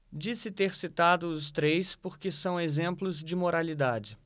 disse ter citado os três porque são exemplos de moralidade